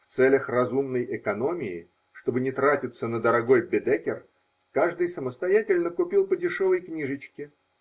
В целях разумной экономии, чтобы не тратиться на дорогой Бедекер , каждый самостоятельно купил по дешевой книжечке.